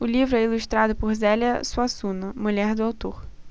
o livro é ilustrado por zélia suassuna mulher do autor